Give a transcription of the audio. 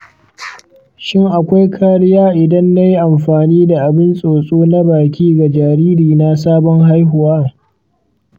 shin akwai kariya idan na yi amfani da abin tsotso na baki ga jaririna sabon haihuwa?